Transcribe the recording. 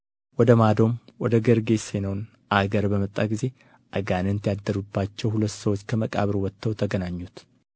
ወደ ማዶም ወደ ጌርጋሴኖን አገር በመጣ ጊዜ አጋንንት ያደሩባቸው ሁለት ሰዎች ከመቃብር ወጥተው ተገናኙት